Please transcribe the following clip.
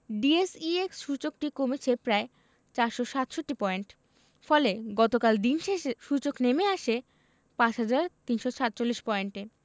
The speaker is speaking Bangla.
ডিএসইএক্স সূচকটি কমেছে প্রায় ৪৬৭ পয়েন্ট ফলে গতকাল দিন শেষে সূচক নেমে আসে ৫ হাজার ৩৪৭ পয়েন্টে